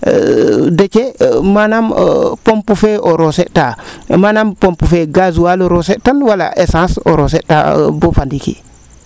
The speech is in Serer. Déthié manaam pompe fee o roose ta manaam pompe fee gazoil o roose tan wala essence o roose taa bo fa ndiiki